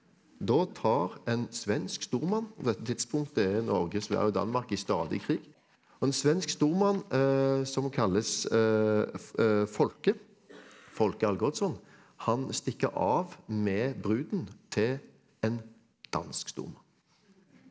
da tar en svensk stormann på dette tidspunktet er Norge Sverige og Danmark i stadig krig og en svensk stormann som kalles Folke Folke Algotsson, han stikker av med bruden til en dansk stormann.